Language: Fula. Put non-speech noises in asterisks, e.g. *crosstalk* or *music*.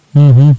*hesitation* *hesitation*